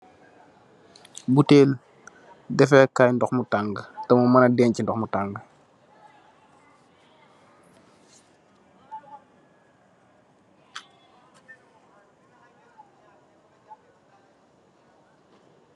Buttel defu Kai ndox mu tang, teh mu munna denci ndox mu tang.